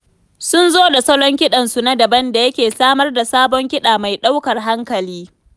Sun zo da salon kiɗansu na daban da yake samar da sabon kiɗa mai ɗaukar hankali.